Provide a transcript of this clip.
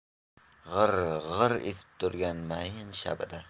g'ir g'ir esib turgan mayin shabada